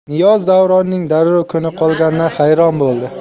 niyoz davronning darrov ko'na qolganidan hayron bo'ldi